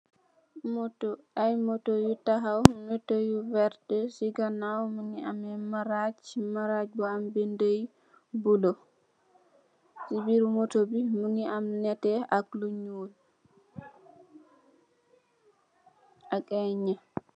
Motor, aye motor yu tahaw motor yu werte se ganaw muge ameh marage, marage bu am bede yu bluelo se birr motor be muge am neteh ak lu njol ak aye.